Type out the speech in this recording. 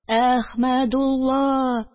Әхмәдулла